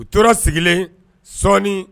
U tora sigilen sɔɔni